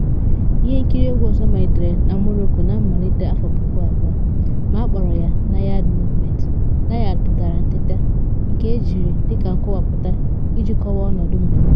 Ihe nkiri egwu ọzọ malitere na Morocco na mmalite 2000 ma a kpọrọ ya 'Nayda movement' ("nayda" pụtara "nteta", nke e jiri dịka nkọwapụta iji kọwaa ọnọdụ mmemme).